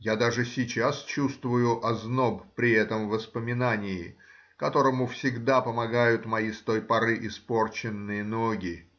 я даже сейчас чувствую озноб при этом воспоминании, которому всегда помогают мои с той поры испорченные ноги.